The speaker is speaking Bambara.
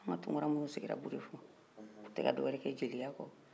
tunkara minnuw sigira budefɔ u tɛ ka dɔwɛrɛ kɛ jeliya kɔ